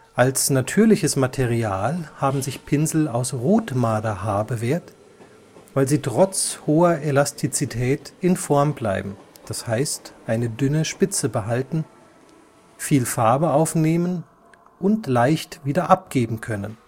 Als natürliches Material haben sich Pinsel aus Rotmarderhaar bewährt, weil sie trotz hoher Elastizität in Form bleiben (dünne Spitze), viel Farbe aufnehmen und leicht wieder abgeben können